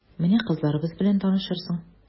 Менә кызларыбыз белән танышырсың...